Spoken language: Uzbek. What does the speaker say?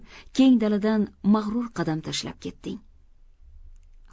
keng daladan mag'rur qadam tashlab ketding